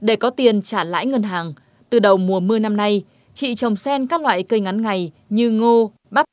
để có tiền trả lãi ngân hàng từ đầu mùa mưa năm nay chị trồng xen các loại cây ngắn ngày như ngô bắp